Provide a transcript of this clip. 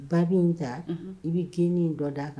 Ba bɛ min ta i bɛ gi dɔ d da a kan